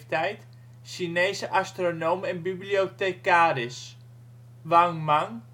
69), Chinese astronoom en bibliothecaris Wang Mang